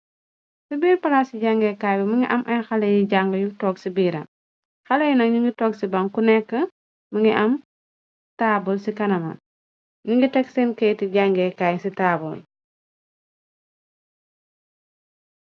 Si birr palasi jange kai bi mungi am aye hale yu janga tog si biram, haleyi nak nyu ngi tog si bang kuneka mungi am tabul si kanamam, nyugi tek aye keyiti jange kai si tabul